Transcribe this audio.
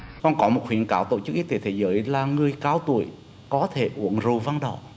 còn có một khuyến cáo tổ chức y tế thế giới là người cao tuổi có thể uống rượu vang đỏ